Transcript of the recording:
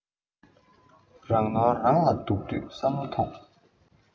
རང ནོར རང ལ བདག དུས བསམ བློ ཐོངས